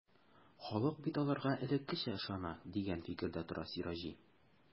Халык бит аларга элеккечә ышана, дигән фикердә тора Сираҗи.